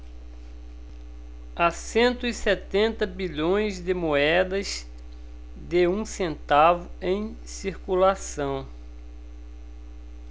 há cento e setenta bilhões de moedas de um centavo em circulação